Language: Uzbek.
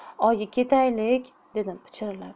oyi ketaylik dedim tipirchilab